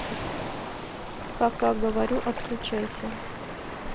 пока говорю отключайся